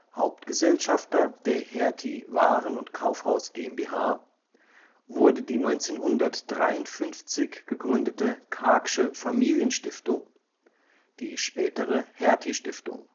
Hauptgesellschafter der Hertie Waren - und Kaufhaus GmbH wurde die 1953 gegründete „ Karg’ sche Familienstiftung “, die spätere „ Hertie-Stiftung